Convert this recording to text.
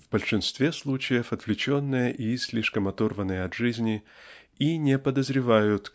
в большинстве случаев отвлеченные и слишком оторванные от жизни и не подозревают